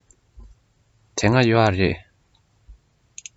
དེ སྔ ཡོད རེད